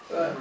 oui